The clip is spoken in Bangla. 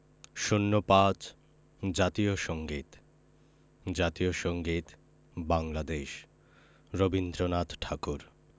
০৫ জাতীয় সংগীত জাতীয় সংগীত বাংলাদেশ রবীন্দ্রনাথ ঠাকুর